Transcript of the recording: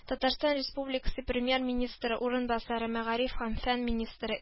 Татарстан Республикасы Премьер-министры урынбасары – мәгариф һәм фән министры